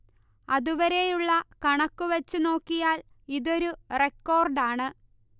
അതുവരെയുള്ള കണക്കു വച്ചു നോക്കിയാൽ ഇതൊരു റെക്കോർഡാണ്